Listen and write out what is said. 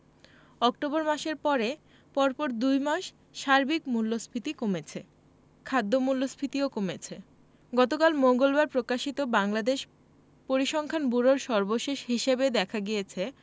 October মাসের পরে পরপর দুই মাস সার্বিক মূল্যস্ফীতি কমেছে খাদ্য মূল্যস্ফীতিও কমেছে গতকাল মঙ্গলবার প্রকাশিত বাংলাদেশ পরিসংখ্যান ব্যুরোর সর্বশেষ হিসেবে দেখা গিয়েছে